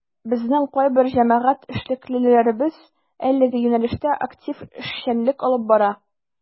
Безнең кайбер җәмәгать эшлеклеләребез әлеге юнәлештә актив эшчәнлек алып бара.